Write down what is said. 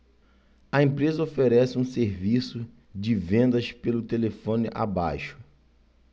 a empresa oferece um serviço de vendas pelo telefone abaixo